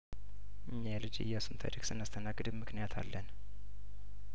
እኛ የልጅ ኢያሱን ታሪክ ስናስ ተናግድ ምክንያት አለን